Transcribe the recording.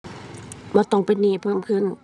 บ่ต้องเป็นหนี้เพิ่มขึ้น